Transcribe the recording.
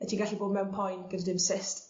a ti'n gallu bod mewn poen gyda dim cyst